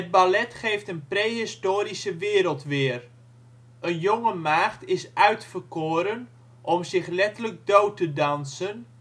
ballet geeft een prehistorische wereld weer. Een jonge maagd is uitverkoren om zich letterlijk dood te dansen